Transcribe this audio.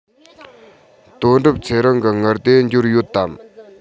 དོན གྲུབ ཚེ རིང གི དངུལ དེ འབྱོར ཡོད དམ